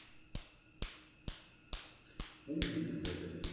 Ո՞ւմ միտքն էր։